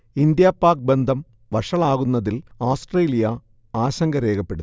India Pak ബന്ധം വഷളാകുന്നതിൽ Australia ആശങ്ക രേഖപ്പെടുത്തി